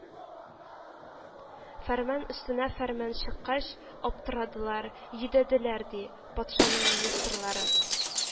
Фәрман өстенә фәрман чыккач, аптырадылар-йөдәделәр, ди, патшаның министрлары